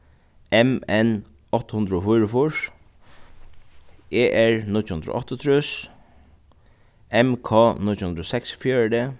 m n átta hundrað og fýraogfýrs e r níggju hundrað og áttaogtrýss m k níggju hundrað og seksogfjøruti